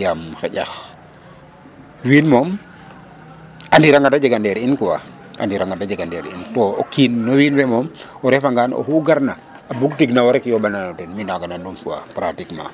Yaam xaƴax wiin moom a ndir a jega ndeer in quoi ndir a ŋada jega ndeer in quoi to kiin no wiin we moom o refangaan oxu garna a bug tig na wo daal o yooɓan na den mi' naga nandum quoi pratiquement